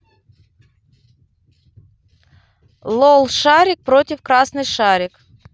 лол шарик против красный шарик